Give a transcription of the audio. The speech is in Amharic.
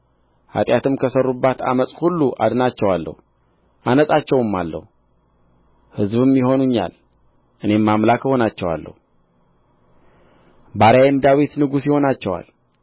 ኃጢአትም ከሠሩባት ዓመፅ ሁሉ አድናቸዋለሁ አነጻቸውማለሁ ሕዝብም ይሆኑኛል እኔም አምላክ እሆናቸዋለሁ ባሪያዬም ዳዊት ንጉሥ ይሆናቸዋል